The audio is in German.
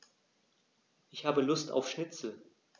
Ich habe Lust auf Schnitzel.